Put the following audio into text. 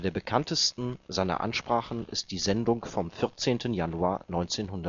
bekanntesten seiner Ansprachen ist die Sendung vom 14. Januar 1945: „ Wäre